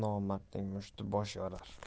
nomardning mushti bosh yorar